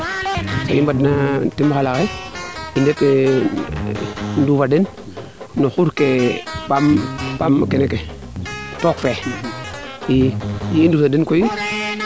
so mbind na xa tim xalale i mbeece i nduufa na den no xurke paam o kene ke took fe i ndosa den koy